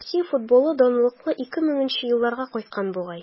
Россия футболы данлыклы 2000 нче елларга кайткан бугай.